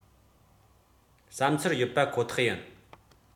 བསམ ཚུལ ཡོད པ ཁོ ཐག ཡིན